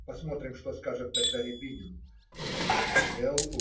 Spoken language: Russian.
Посмотрим, что скажет тогда Рябинин. Л